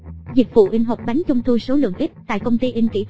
dịch vụ in hộp bánh trung thu số lượng ít tại công ty inkythuatso